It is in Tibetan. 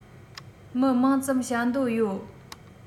མི མང ཙམ བྱ འདོད ཡོད